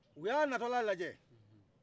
u ya na tɔla laɲɛ